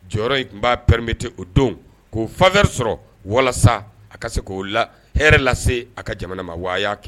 Jɔyɔrɔ in tun b'a pɛeremete o don k'o fa wɛrɛri sɔrɔ walasa a ka se k'o la hɛrɛ lase a ka jamana ma waa y'a kɛ